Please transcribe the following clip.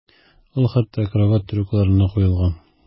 Ул хәтта акробат трюкларына куелган.